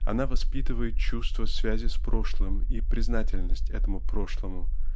она воспитывает чувство связи с прошлым и признательность этому прошлому